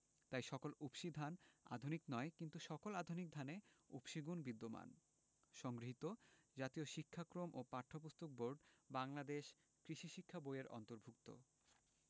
তাই সকল উফশী ধান আধুনিক নয় কিন্তু সকল আধুনিক ধানে উফশী গুণ বিদ্যমান সংগৃহীত জাতীয় শিক্ষাক্রম ও পাঠ্যপুস্তক বোর্ড বাংলাদেশ কৃষি শিক্ষা বই এর অন্তর্ভুক্ত